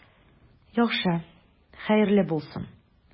Яхшы, хәерле булсын.